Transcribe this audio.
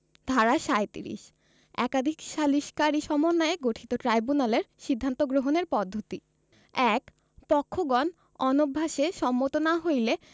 ধারা ৩৭ একাধিক সালিসকারীর সমন্বয়ে গঠিত ট্রাইব্যুনালের সিদ্ধান্ত গ্রহণের পদ্ধতি ১ পক্ষগণ অন্যভাসে সম্মত না হইলে